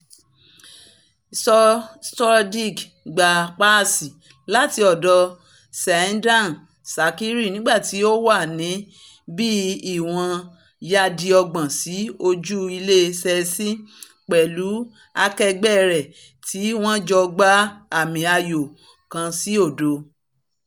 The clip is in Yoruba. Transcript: Sturridge gba páàsì láti ọ̀dọ̀ Xherdan Shakiri nígbà tí ó wà ní bíi ìwọ̀n yáàdì ọgbọ̀n sí ojú ilé Chelsea pẹ̀lú akẹgbẹ́ rẹ̀ tí wọ́n jọ́ gbá àmì ayò 1-0.